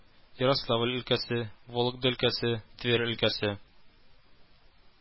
Ярославль өлкәсе, Вологда өлкәсе, Тверь өлкәсе